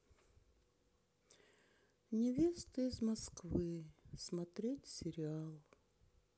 невеста из москвы смотреть сериал